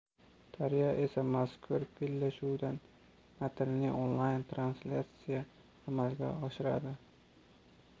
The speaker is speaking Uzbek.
daryo esa mazkur bellashuvdan matnli onlayn translyatsiyani amalga oshiradi